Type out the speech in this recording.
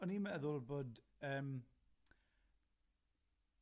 O'n i'n meddwl bod yym